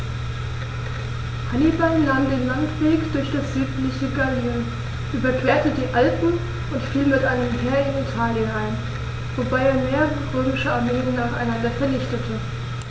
Hannibal nahm den Landweg durch das südliche Gallien, überquerte die Alpen und fiel mit einem Heer in Italien ein, wobei er mehrere römische Armeen nacheinander vernichtete.